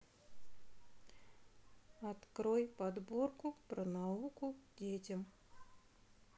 открой подборку про науку детям